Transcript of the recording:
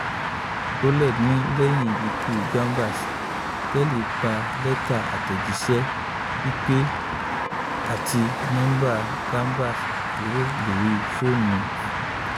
Rowlett ní lẹ́yìn ikú Chambers, Tellis pa lẹ́tà àtẹ̀jíṣẹ́, ìpè, àti nọ́ḿbà Chambers kúrò lóri fóònùu ẹ̀.